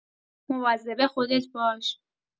مواظب خودت باش